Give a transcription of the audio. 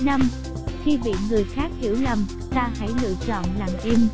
khi bị người khác hiểu lầm ta hãy lựa chọn lặng im